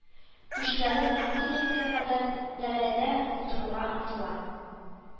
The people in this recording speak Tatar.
Көчләрен англиянеке кадәр дәрәәдә булдыруга омтыла